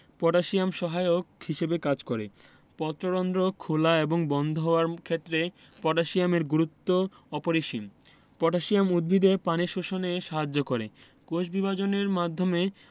potassium সহায়ক হিসেবে কাজ করে পত্ররন্ধ্র খেলা এবং বন্ধ হওয়ার ক্ষেত্রে পটাশিয়ামের গুরুত্ব অপরিসীম পটাশিয়াম উদ্ভিদে পানি শোষণে সাহায্য করে কোষবিভাজনের মাধ্যমে